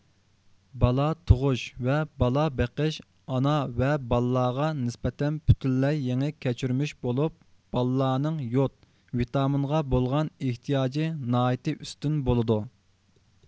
بالا تۇغۇش ۋە بالا بېقىش ئانا ۋە بالىلارغا نىسبەتەن پۈتۈنلەي يېڭى كەچۈرمىش بولۇپ بالىلارنىڭ يود ۋىتامىنغا بولغان ئېھتىياجى ناھايىتى ئۈستۈن بولىدۇ